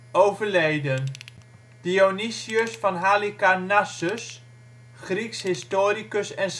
overleden 67) Dionysius van Halicarnassus, Grieks historicus en